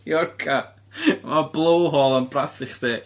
I orca a mae blowhole yn brathu chdi.